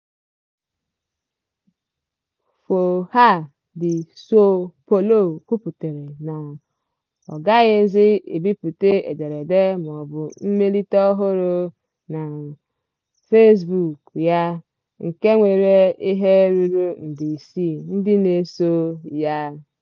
Folha de Sao Paulo kwuputara na ọ gaghịzi ebipụta ederede maọbụ mmelite ọhụrụ na Facebook ya, nke nwere ihe ruru nde isii ndị na-eso ya.